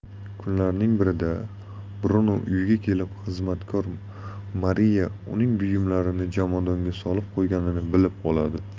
kunlarning birida bruno uyga kelib xizmatkor mariya uning buyumlarini jomadonga solib qo'yganini bilib qoladi